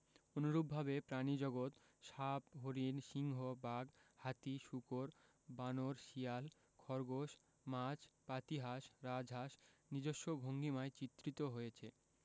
অনুরূপভাবে প্রাণীজগৎ সাপ হরিণ সিংহ বাঘ হাতি শূকর বানর শিয়াল খরগোশ মাছ পাতিহাঁস রাজহাঁস নিজস্ব ভঙ্গিমায় চিত্রিত হয়েছে